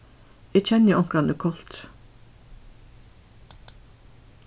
eg kenni onkran í koltri